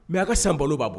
Mɛ a ka san balo b'a bɔ